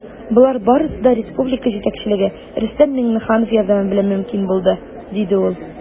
Болар барысы да республика җитәкчелеге, Рөстәм Миңнеханов, ярдәме белән мөмкин булды, - диде ул.